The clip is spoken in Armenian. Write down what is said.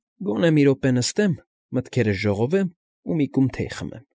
Գոնե մի րոպե նստեմ, մտքերս ժողովեմ ու մի կում թեյ խմեմ»։